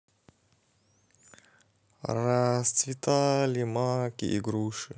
расцветали маки игруши